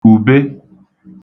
ùbe